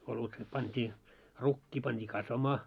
olut pantiin rukiin pantiin kasvamaan